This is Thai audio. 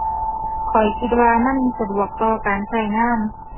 ข้อยคิดว่ามันสะดวกต่อการใช้งาน